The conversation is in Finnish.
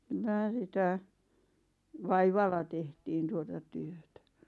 kyllä sitä vaivalla tehtiin tuota työtä